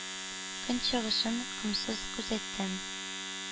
Көн чыгышын комсыз күзәтәм.